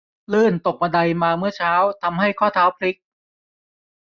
ลื่นตกบันไดมาเมื่อเช้าทำให้ข้อเท้าพลิก